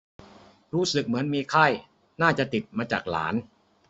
รู้สึกเหมือนมีไข้น่าจะติดมาจากหลาน